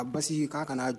A basi k'a ka'